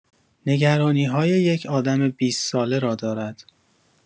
نگرانی‌های یک آدم بیست ساله را دارد.